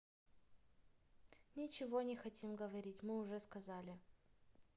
ничего не хотим говорить мы уже сказали